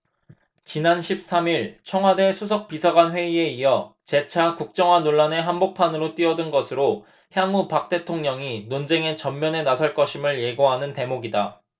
지난 십 삼 일 청와대 수석비서관회의에 이어 재차 국정화 논란의 한복판으로 뛰어든 것으로 향후 박 대통령이 논쟁의 전면에 나설 것임을 예고하는 대목이다